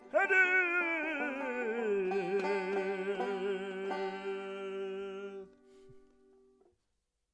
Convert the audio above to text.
y dydd!